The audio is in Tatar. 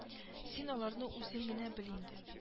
Син аларны үзең генә бел инде